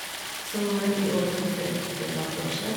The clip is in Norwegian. Som vi overtok for ett og et halvt år sia.